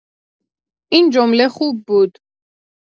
این جمله خوب بود.